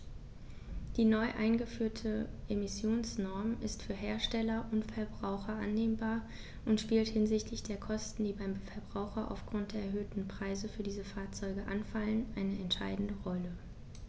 Die neu eingeführte Emissionsnorm ist für Hersteller und Verbraucher annehmbar und spielt hinsichtlich der Kosten, die beim Verbraucher aufgrund der erhöhten Preise für diese Fahrzeuge anfallen, eine entscheidende Rolle.